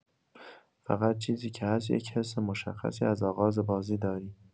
فقط چیزی که هست یک حس مشخصی از آغاز بازی داری.